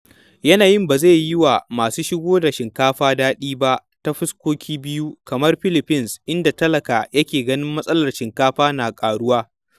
Yanayin ba zai yi wa masu shigo da shinkafa daɗi ba ta fuskoki biyu kamar Philippines, inda talaka yake ganin matsalar shinkafa na ƙaruwa.